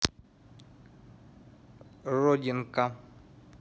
родинка